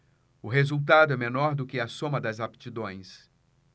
o resultado é menor do que a soma das aptidões